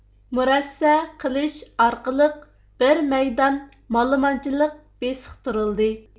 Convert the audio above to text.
مۇرەسسە قىلىش ئارقىلىق بىر مەيدان مالىمانچىلىق بېسىقتۇرۇلدى